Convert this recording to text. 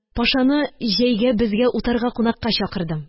Пашаны җәйгә безгә утарга кунакка чакырдым.